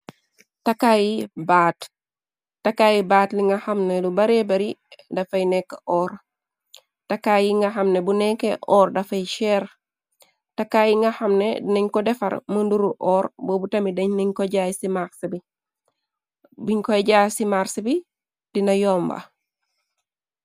Takaayi baat, takaayi baat yi nga xamne lu baree bari dafay nekk oor, takaay yi nga xamne bu nekke oor dafay cheer, takaay yi nga xamne dinañ ko defar mu nidu oor, boobu tamit dañ koy jaay si marse bi, buñ koy jaay ci màrse bi dina yomba.